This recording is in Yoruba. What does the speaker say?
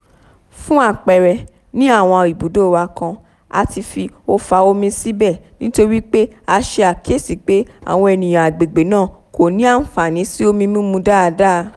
Fún àpẹẹrẹ, ní àwọn ibùdó wa kan, àti fi òòfà omi sí bẹ̀ nítorí pé a ṣe àkíyèsí pé àwọn ènìyàn agbègbè náà kò ní àǹfààní sí omi mímu daada.